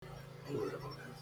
hụcha